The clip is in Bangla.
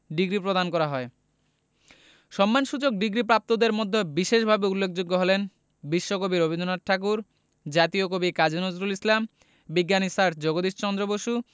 ডিগ্রি প্রদান করা হয় সম্মানসূচক ডিগ্রিপ্রাপ্তদের মধ্যে বিশেষভাবে উল্লেখযোগ্য হলেন বিশ্বকবি রবীন্দ্রনাথ ঠাকুর জাতীয় কবি কাজী নজরুল ইসলাম বিজ্ঞানী স্যার জগদীশ চন্দ্র বসু